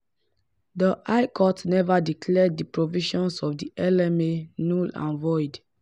The High Court never declared the provisions in the LMA null and void.